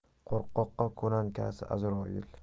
qo'rqoqqa ko'lankasi azroil